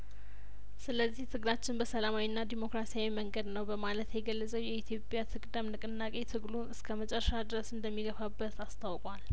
ስለዚህ ትግላችን በሰላማዊና ዲሞክራሲያዊ መንገድ ነው በማለት የገለጸው የኢትዮጵያት ቅደምንቅናቄ ትግሉን እስከመጨረሻ ድረስ እንደሚገፋበት አስታውቋል